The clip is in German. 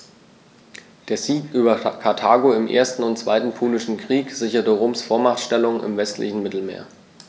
Der Sieg über Karthago im 1. und 2. Punischen Krieg sicherte Roms Vormachtstellung im westlichen Mittelmeer.